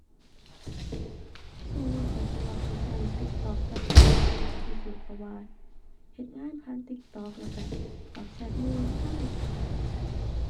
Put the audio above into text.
ช่วงนี้ข้อยคิดว่าข้อยช่วง TikTok กับ IG หลายที่สุด เพราะว่าเฮ็ดงานผ่าน TikTok แล้วช่วงตอบแชตหมู่ทาง IG